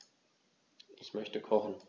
Ich möchte kochen.